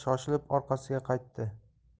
shoshilib orqasiga qaytdi